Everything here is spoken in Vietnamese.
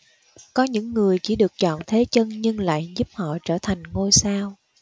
có những người chỉ được chọn thế chân nhưng lại giúp họ trở thành ngôi sao